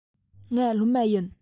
ང སློབ མ ཡིན